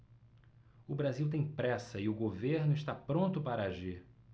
o brasil tem pressa e o governo está pronto para agir